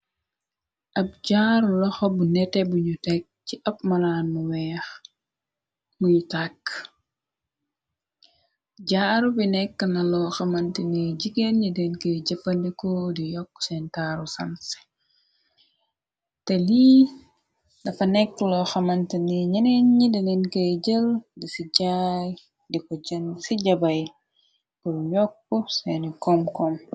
Ab jaaru laxa bu nete buñu tekk ci ab malaanu weex muñu tàkk jaaru bi nekk na loo xamanta ni jigeen ñi deen key jëppandiko di yokk seen taaru sanse te lii dafa nekk loo xamanta ni ñeneen ñi deneen key jël d ay di ko jën ci jabay buru yopp seeni kom kom.